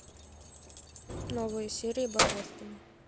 новые серии барбоскины